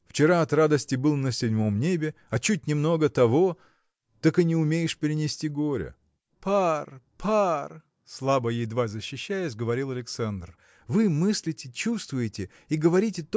Вчера от радости был на седьмом небе, а чуть немного того. так и не умеешь перенести горя. – Пар, пар! – слабо едва защищаясь говорил Александр – вы мыслите чувствуете и говорите